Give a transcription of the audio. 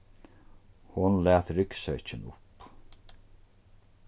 hon læt ryggsekkin upp